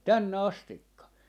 tänne asti